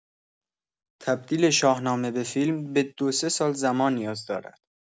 تبدیل شاهنامه به فیلم، به دو سه سال زمان نیاز دارد.